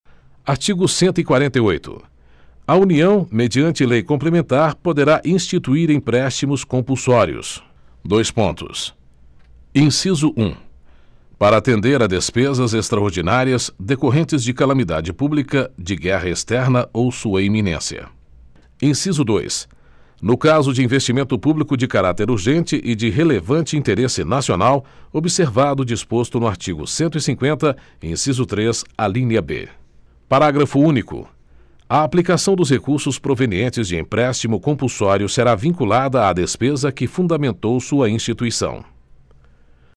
artigo cento e quarenta e oito a união mediante lei complementar poderá instituir empréstimos compulsórios dois pontos inciso um para atender a despesas extraordinárias decorrentes de calamidade pública de guerra externa ou sua iminência inciso dois no caso de investimento público de caráter urgente e de relevante interesse nacional observado o disposto no artigo cento e cinquenta inciso três alínea b parágrafo único a aplicação dos recursos provenientes de empréstimo compulsório será vinculada à despesa que fundamentou sua instituição